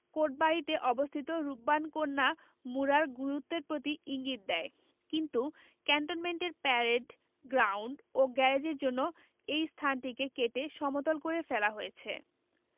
কোটবাড়িতে অবস্থিত রূপবান কন্যা মুড়ার গুরুত্বের প্রতি ইঙ্গিত দেয় কিন্তু ক্যান্টনমেন্টের প্যারেড গ্রাউন্ড ও গ্যারেজের জন্য এ স্থানটিকে কেটে সমতল করে ফেলা হয়েছে